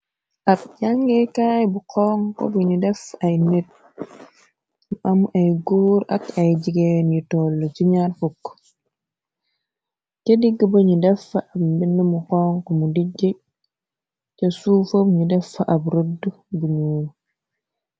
Ab jàngeekaay bu xonk buñu def ay nit, m am ay góor ak ay jigeen yu toll ci ñaar fukk, te digg bañu defa ab mbinn mu xonk, mu dijje, ca suufom, ñu defa ab rëdd bu nuur.